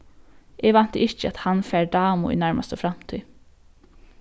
eg vænti ikki at hann fær damu í nærmastu framtíð